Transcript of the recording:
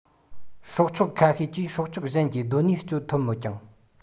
སྲོག ཆགས ཁ ཤས ཀྱིས སྲོག ཆགས གཞན གྱི གདོད ནུས སྤྱོད ཐུབ མོད ཀྱང